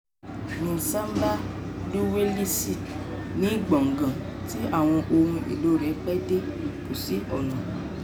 # Mzimba Luwelezi ni gbọ̀ngán tí àwọn ohun èlò rẹ̀ pẹ́ dé – kò sí ọ̀nà.